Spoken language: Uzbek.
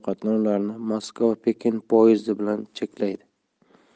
qatnovlarini moskva pekin poyezdi bilan cheklaydi